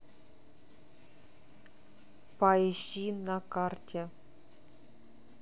поищи на карте